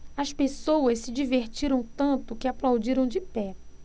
as pessoas se divertiram tanto que aplaudiram de pé